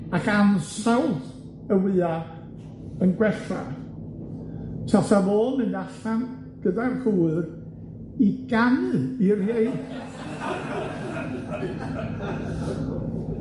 ac ansawdd y wya yn gwella, tasa fo'n mynd allan gyda'r hwyr i ganu i'r ieir.